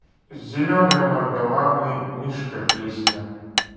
зеленая мармеладный мишка песня